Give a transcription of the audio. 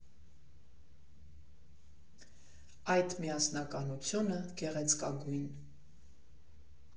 Այդ միասնականությունը՝ գեղեցկագույն։